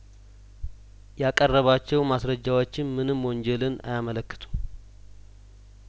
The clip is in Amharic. ያቀረባቸው ማስረጃዎችም ምንም ወንጀልን አያመለክቱም